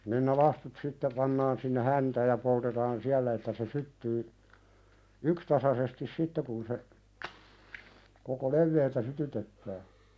niin ne lastut sitten pannaan sinne häntään ja poltetaan siellä että se syttyy yksitasaisesti sitten kun se koko leveydeltä sytytetään